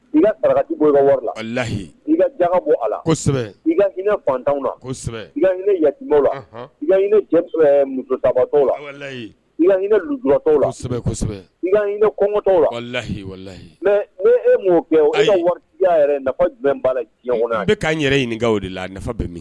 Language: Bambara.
I ka sarakarakati la alahiyi ja bɔ a la kosɛbɛ i hinɛinɛtan la kosɛbɛinɛ ola laɲiniinɛ musodawatɔ la lainɛinalutɔɲina kɔkotɔ la alayi e mɔya yɛrɛ nafakɔ jumɛn b'a la jɔn na ka n yɛrɛ ɲininka de la bɛ min